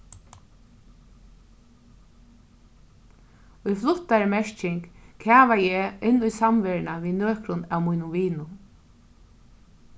í fluttari merking kavaði eg inn í samveruna við nøkrum av mínum vinum